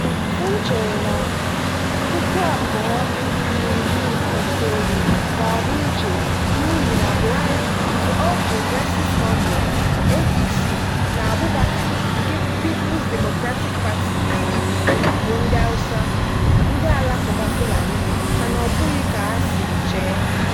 Ụfọdụ chere na 2019 ga-adị iche n'ihi na Buhari nke All Progressive Congress (APC) na Abubakar nke People's Democratic Party (PDP) bụ ndị Hausa, ndị Alakụba Fulani, mana ọbụghị ka ha siri che.